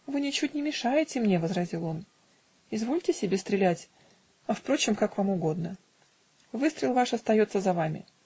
-- "Вы ничуть не мешаете мне, -- возразил он, -- извольте себе стрелять, а впрочем, как вам угодно: выстрел ваш остается за вами